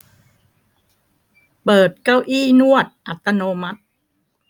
เปิดเก้าอี้นวดอัตโนมัติ